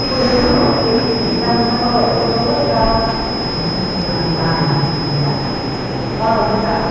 chị có nhớ lúc điều trị răng kia nó có mất thời gian không mất lần đi lại